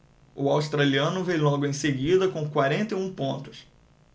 o australiano vem logo em seguida com quarenta e um pontos